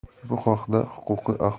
bu haqda huquqiy axborot